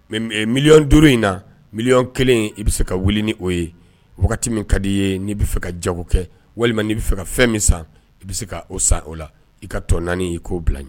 Mais 5000000 in na 1000000 i bɛ se ka wuli ni o ye wagati min ka di i ye ni bɛ fɛ ka jago kɛ walima ni be fɛ ka fɛn min san i be se ka o san o la . I ka tɔn naani ko bila n ɲɛ.